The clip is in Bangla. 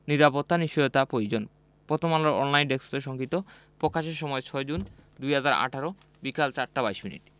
নিরাপত্তার নিশ্চয়তা প্রয়োজন প্রথমআলোর অনলাইন ডেস্ক হতে সংগৃহীত প্রকাশের সময় ৬জুন ২০১৮ বিকেল ৪টা ২২ মিনিট